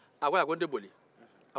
a ko n te boli